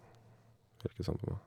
Det virker sånn på meg.